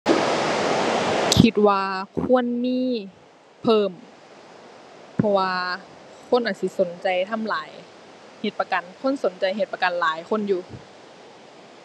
คิดว่าควรมีเพิ่ม เพราะว่าคนอาจสิสนใจทำหลาย เฮ็ดประกัน คนสนใจเฮ็ดประกันหลายคนอยู่